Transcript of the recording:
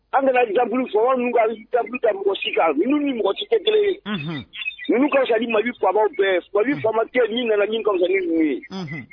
An nana fɔ mɔgɔ si kan ni mɔgɔ ci kelen ye kabi bama bɛɛ wa bamakɛ min nana ka numu ye